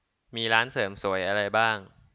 มีร้านเสริมสวยอะไรบ้าง